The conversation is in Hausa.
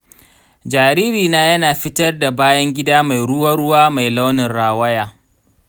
jaririna yana fitar da bayan gida mai ruwa-ruwa mai launin rawaya.